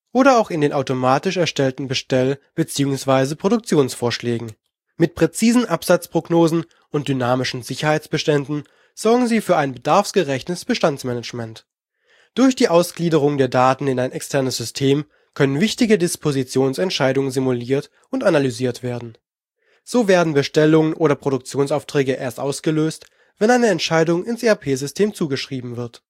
oder auch in den automatisch erstellten Bestell - bzw. Produktionsvorschlägen. Mit präzisen Absatzprognosen und dynamischen Sicherheitsbeständen sorgen sie für ein bedarfsgerechtes Bestandsmanagement. Durch die Ausgliederung der Daten in ein externes System können wichtige Dispositionsentscheidungen simuliert und analysiert werden. So werden Bestellungen oder Produktionsaufträge erst ausgelöst, wenn eine Entscheidung ins ERP-System zugeschrieben wird